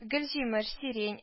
Гөлҗимеш, сирень